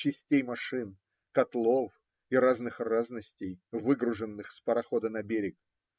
частей машин, котлов и разных разностей, выгруженных с парохода на берег.